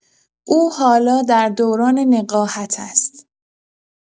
او حالا در دوران نقاهت است.